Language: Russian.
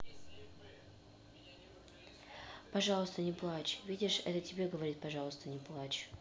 пожалуйста не плачь видишь это тебе говорит пожалуйста не плачь